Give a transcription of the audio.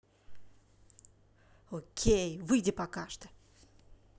окей выйди пока что